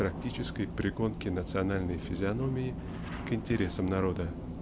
практической пригонки национальной физиономии к интересам народа .